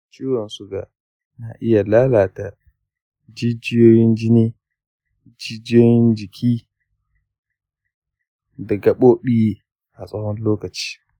ciwon suga na iya lalata jijiyoyin jini, jijiyoyin jiki, da gabobi a tsawon lokaci.